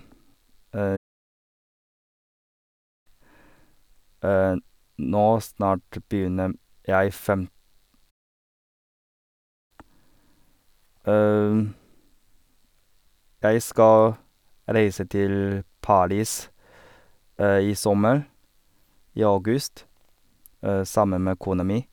Nå snart begynner m jeg fem Jeg skal reise til Paris i sommer, i august, sammen med kona mi.